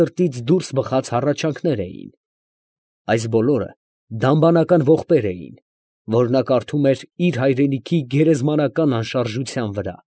Սրտից դուրս բխած հառաչանքներն էին, այս բոլորը դամբանական ողբեր էին, որ նա կարդում էր իր հայրենիքի գերեզմանական անշարժության վրա։